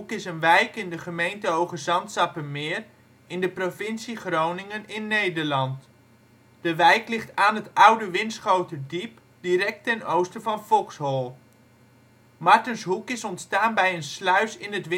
is een wijk in de gemeente Hoogezand-Sappemeer in de provincie Groningen in Nederland. De wijk ligt aan het oude Winschoterdiep direct ten oosten van Foxhol. Martenshoek is ontstaan bij een sluis in het